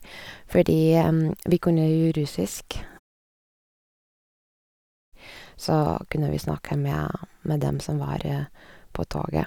Fordi vi kunne jo russisk, Så kunne vi snakke med med dem som var på toget.